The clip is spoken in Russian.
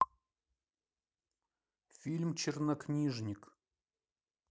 фильм чернокнижник